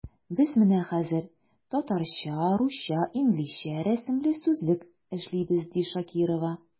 Без менә хәзер “Татарча-русча-инглизчә рәсемле сүзлек” эшлибез, ди Шакирова.